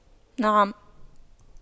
نعم